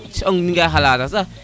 nja xalata sax